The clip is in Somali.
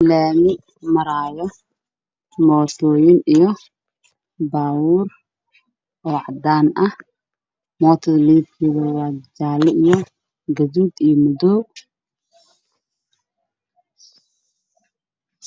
Laami maraayo mootooyin iyo baabuur oo cadaan ah